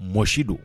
Mɔ si don